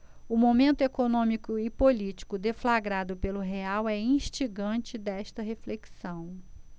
o momento econômico e político deflagrado pelo real é instigante desta reflexão